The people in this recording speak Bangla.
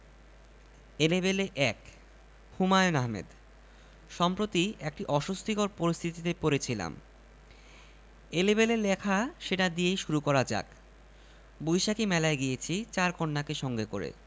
এলেবেলে ১ হুমায়ূন আহমেদ সম্প্রতি একটি অস্বস্তিকর পরিস্থিতিতে পড়েছিলাম এলেবেলে লেখা সেটা দিয়েই শুরু করা যাক বৈশাখী মেলায় গিয়েছি চার কন্যাকে সঙ্গে করে